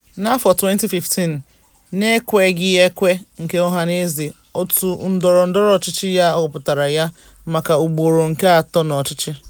Na 2015, n'ekweghị ekwe nke ọhanaeze, òtù ndọrọndọrọ ọchịchị ya họpụtara ya maka ugboro nke atọ n'ọchịchị.